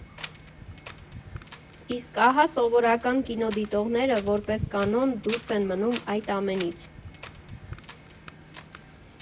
Իսկ ահա սովորական կինոդիտողները, որպես կանոն, դուրս են մնում այդ ամենից։